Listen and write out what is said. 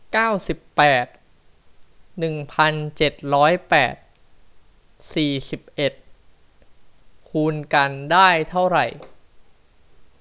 เก้าสิบแปดหนึ่งพันเจ็ดร้อยแปดสี่สิบเอ็ดคูณกันได้เท่าไหร่